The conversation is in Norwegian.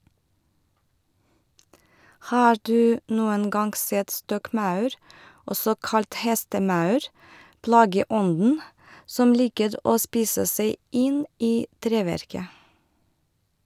Har du noen gang sett stokkmaur, også kalt hestemaur , plageånden som liker å spise seg inn i treverket?